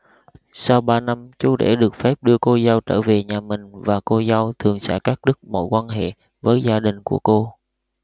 sau ba năm chú rể được phép đưa cô dâu trở về nhà mình và cô dâu thường sẽ cắt đứt mọi quan hệ với gia đình của cô